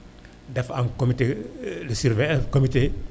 dafa am comité de surveillance comité